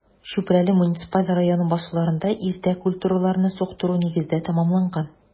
Чүпрәле муниципаль районы басуларында иртә культураларны суктыру нигездә тәмамланган.